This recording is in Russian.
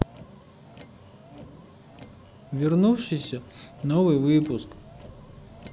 вернувшийся новый выпуск